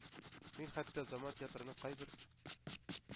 Мин хәтта заман театрының кайбер